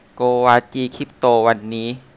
โกวาจีคริปโตวันนี้